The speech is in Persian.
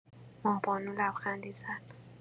ماه‌بانو لبخندی زد